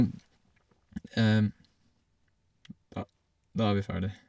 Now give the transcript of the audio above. da Da er vi ferdig.